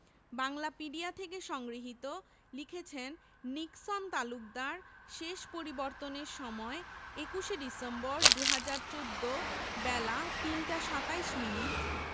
বাংলাপিডিয়া থেকে সংগৃহীত লিখেছেন নিক্সন তালুকদার শেষ পরিবর্তনের সময় ২১ ডিসেম্বর ২০১৪ বেলা ৩টা ২৭ মিনিট